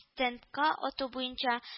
Стендка ату буенча